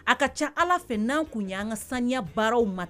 A ka ca ala fɛ n'an kun ye' an ka saniya baararaww ma